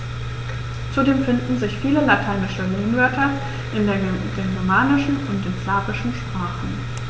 Zudem finden sich viele lateinische Lehnwörter in den germanischen und den slawischen Sprachen.